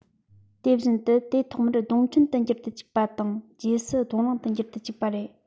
དེ བཞིན དུ དེ ཐོག མར སྡོང ཕྲན དུ འགྱུར དུ འཇུག པ དང རྗེས སུ སྡོང རིང དུ འགྱུར དུ འཇུག པ རེད